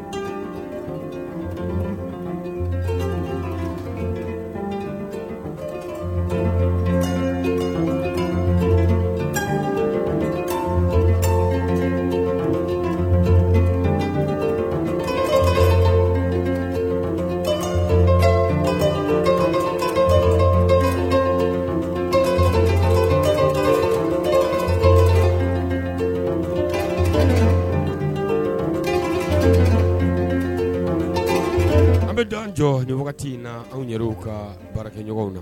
An bɛ don jɔ wagati in na anw yɛrɛ u ka baara ɲɔgɔnw na